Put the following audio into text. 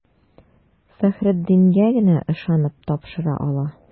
Фәхреддингә генә ышанып тапшыра ала.